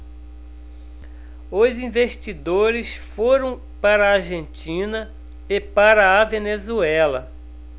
os investidores foram para a argentina e para a venezuela